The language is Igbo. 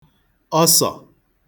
ọsọ̀